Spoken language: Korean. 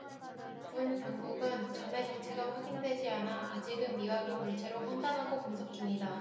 군 당국은 점의 정체가 확인되지 않아 아직은 미확인 물체로 판단하고 분석 중이다